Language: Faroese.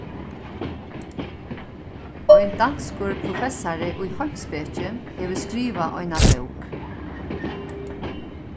ein danskur professari í heimspeki hevur skrivað eina bók